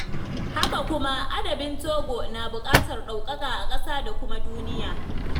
Haka kuma, adabin Togo na buƙatar ɗaukaka a ƙasa da kuma duniya.